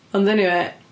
Ond eniwe...